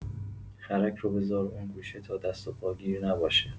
خرک رو بزار اون گوشه تا دست‌وپا گیر نباشه.